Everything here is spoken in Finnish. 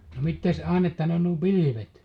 no mitä ainetta ne on nuo pilvet